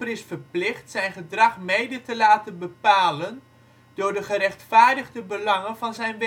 is verplicht zijn gedrag mede te laten bepalen door de gerechtvaardigde belangen van zijn